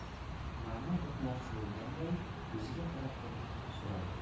ma'no uqmoqchi bolganday ko'ziga qarab turib so'radi